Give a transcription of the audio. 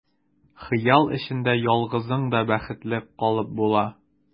Хыял эчендә ялгызың да бәхетле калып була.